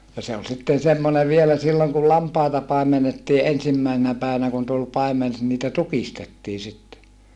ja se oli sitten semmoinen vielä silloin kun lampaita paimennettiin ensimmäisenä päivänä kun tuli paimen niitä tukistettiin sitten